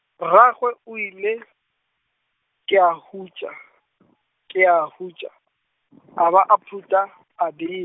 rragwe, o ile, ke a hutša, ke a hutša, a ba a phutha, a be-.